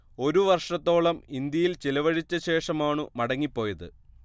ഒരു വർഷത്തോളം ഇന്ത്യയിൽ ചിലവഴിച്ച ശേഷമാണു മടങ്ങി പോയത്